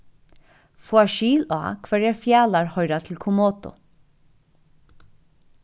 fáa skil á hvørjar fjalar hoyra til kommodu